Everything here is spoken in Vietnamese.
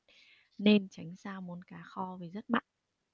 nên tránh xa món cá kho vì rất mặn